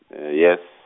yes.